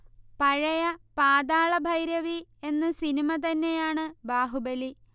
പഴയ പാതാളഭൈരവി എന്ന സിനിമ തന്നെയാണു ബാഹുബലി